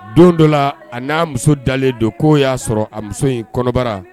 Don dɔ la a n'a muso dalen don k'o y'a sɔrɔ a muso in kɔnɔbara